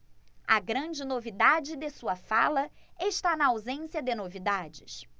a grande novidade de sua fala está na ausência de novidades